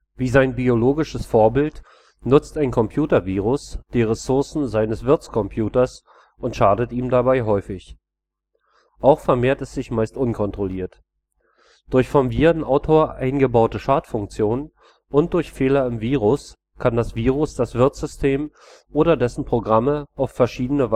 Wie sein biologisches Vorbild benutzt ein Computervirus die Ressourcen seines Wirtcomputers und schadet ihm dabei häufig. Auch vermehrt es sich meist unkontrolliert. Durch vom Virenautor eingebaute Schadfunktionen oder durch Fehler im Virus kann das Virus das Wirtssystem oder dessen Programme auf verschiedene